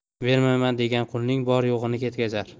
bermayman degan qulining bor yo'g'ini ketkazar